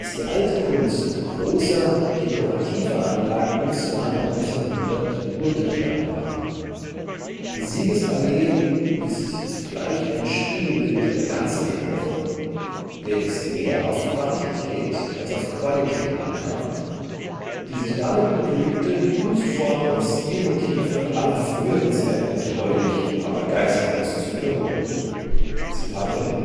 die alte Kunst großer dekorativer Anlagen ums Jahr 1900 untergegangen war. […] Die Siegesallee […] ist zugleich ein Spiegelbild der ganzen Epoche, […] der es mehr auf Quantität als auf Qualität ankam, die sich damit begnügte, die Kunstformen und Stilmotive aller früheren Zeiten treulich, aber geistlos zu wiederholen […